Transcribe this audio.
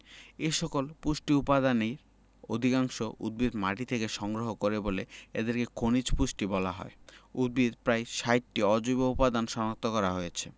এসকল পুষ্টি উপাদানের অধিকাংশই উদ্ভিদ মাটি থেকে সংগ্রহ করে বলে এদেরকে খনিজ পুষ্টি বলা হয় উদ্ভিদ প্রায় ৬০টি অজৈব উপাদান শনাক্ত করা হয়েছে